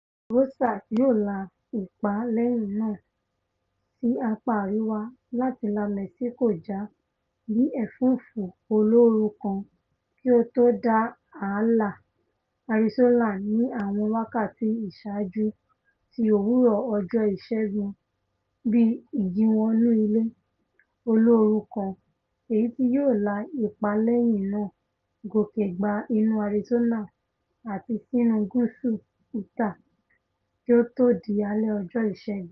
Rosa yóò la ipa lẹ́yìn náà sí apá àríwá láti la Mẹ́síkò já bíi ẹ̀fùúfú olóoru kan kí ó tó dé ààlà Arizona ní àwọn wákàtí ìsáájú ti òwúrọ̀ ọjọ́ Ìṣẹ́gun bíi ìjìnwọnú-ilẹ̀ olóoru kan, èyití yóò la ipa lẹ́yìn náà gòkè gba inú Arizona àti sínú gúúsù Utah kí ó tó di alẹ́ ọjọ Ìṣẹ́gun.